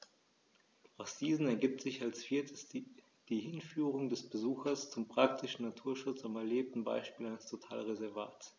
Aus diesen ergibt sich als viertes die Hinführung des Besuchers zum praktischen Naturschutz am erlebten Beispiel eines Totalreservats.